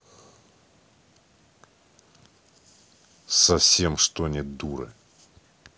совсем что не дура